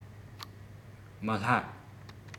མི སླ